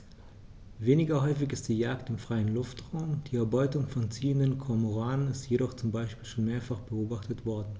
Weniger häufig ist die Jagd im freien Luftraum; die Erbeutung von ziehenden Kormoranen ist jedoch zum Beispiel schon mehrfach beobachtet worden.